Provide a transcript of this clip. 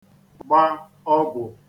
-gba ọgwụ